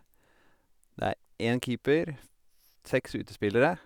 Det er en keeper, f f seks utespillere.